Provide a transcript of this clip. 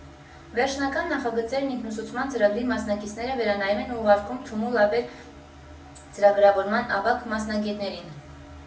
Վերջնական նախագծերն ինքնուսուցման ծրագրի մասնակիցները վերանայում են և ուղարկում Թումո լաբերի ծրագրավորման ավագ մասնագետներին։